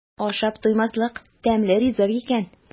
Ашап туймаслык тәмле ризык икән.